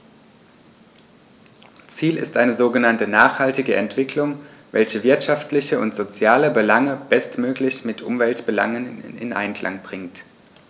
Ziel ist eine sogenannte nachhaltige Entwicklung, welche wirtschaftliche und soziale Belange bestmöglich mit Umweltbelangen in Einklang bringt.